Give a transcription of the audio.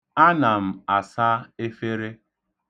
Ana m asa efere.